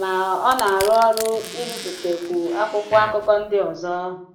ma ọ na-arụ ọrụ ibipụtakwu akwụkwọ akụkọ ndị ọzọ.